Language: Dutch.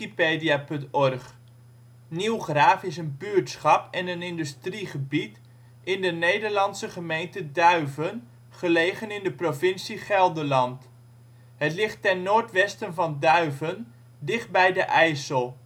58 ' NB, 5° 59 ' OL Nieuwgraaf Plaats in Nederland Situering Provincie Gelderland Gemeente Duiven Coördinaten 51° 58′ NB, 5° 60′ OL Portaal Nederland Nieuwgraaf is een buurtschap en een industriegebied de Nederlandse gemeente Duiven, gelegen in de provincie Gelderland. Het ligt ten noordwesten van Duiven dichtbij de IJssel